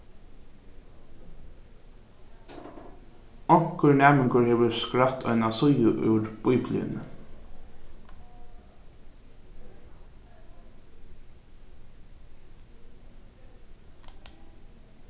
onkur næmingur hevur skrætt eina síðu úr bíbliuni